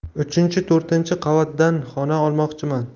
uchinchi to'rtinchi qavatdan xona olmoqchiman